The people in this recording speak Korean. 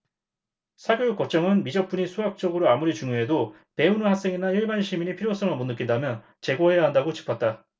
사교육걱정은 미적분이 수학적으로 아무리 중요해도 배우는 학생이나 일반 시민이 필요성을 못 느낀다면 재고해야 한다고 짚었다